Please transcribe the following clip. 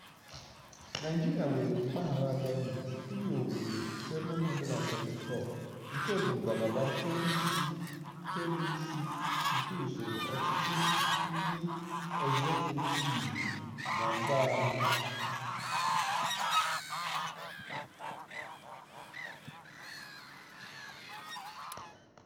Naịjirịa nwere mpaghara gọọmentị ime obodo 774, nke bụ ngalaba kebụisi nke usoro ọchịchị ndị ezekutiivu na mba ahụ.